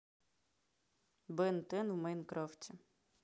бен тен в майнкрафте